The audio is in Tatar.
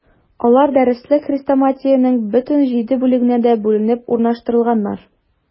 Алар дәреслек-хрестоматиянең бөтен җиде бүлегенә дә бүленеп урнаштырылганнар.